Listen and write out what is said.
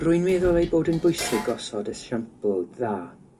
Rwy'n meddwl ei bod in bwysig gosod esiampl dda